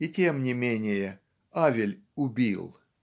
И тем не менее Авель убил.